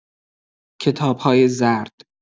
کتاب‌های زرد